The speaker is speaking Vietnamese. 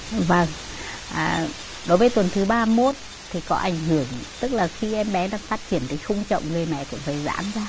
vâng à đối với tuần thứ ba mốt thì có ảnh hưởng tức là khi em bé đang phát triển thì khung chậu người mẹ cũng phải giãn ra